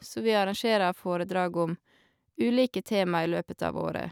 Så vi arrangerer foredrag om ulike tema i løpet av året.